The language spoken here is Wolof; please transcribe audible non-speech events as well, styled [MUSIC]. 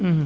[HESITATION] [HESITATION]